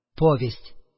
Повесть